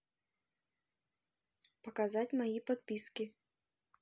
показать мои подписки